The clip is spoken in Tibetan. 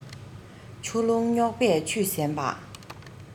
ཆུ ཀླུང རྙོག པས ཆུད གཟན པ